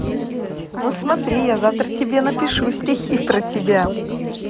ну смотри я завтра тебе напишу стихи про тебя